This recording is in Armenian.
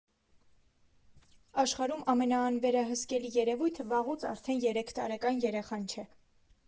Աշխարհում ամենաանվերահսկելի երևույթը վաղուց արդեն երեք տարեկան երեխան չէ։